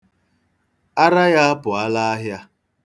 Ara ya apụọla ahịa.